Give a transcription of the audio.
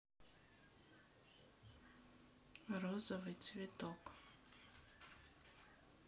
розовый цветок